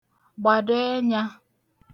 gbàdo ẹnyā